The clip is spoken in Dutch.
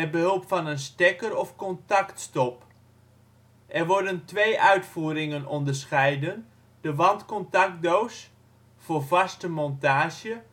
behulp van een stekker of contactstop. Er worden twee uitvoeringen onderscheiden: de wandcontactdoos voor vaste montage